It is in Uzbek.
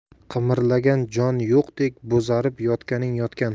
qimirlagan jon yo'qdek bo'zarib yotganing yotgan